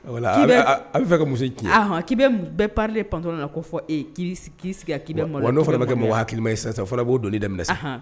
A bɛ fɛ ka muso tiɲɛ k' bɛɛ pa panttɔ na ko fɔ k'i sigi' n' fana bɛ kɛ mɔgɔ hakilikili ma ye sisan sisan fɔlɔ b'o dɔn dɛ